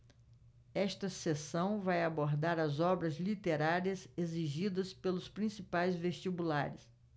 esta seção vai abordar as obras literárias exigidas pelos principais vestibulares